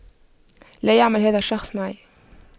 لا يعمل هذا الشخص معي